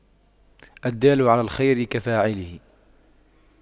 الدال على الخير كفاعله